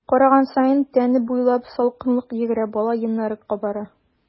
Караган саен тәне буйлап салкынлык йөгерә, бала йоннары кабара.